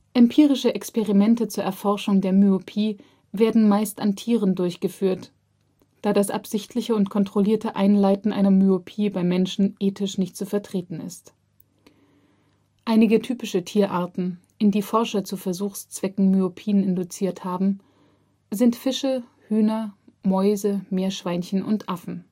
Empirische Experimente zur Erforschung der Myopie werden meist an Tieren durchgeführt, da das absichtliche und kontrollierte Einleiten einer Myopie bei Menschen ethisch nicht zu vertreten ist. Einige typische Tierarten, in die Forscher zu Versuchszwecken Myopien induziert haben, sind Fische, Hühner, Mäuse, Meerschweinchen und Affen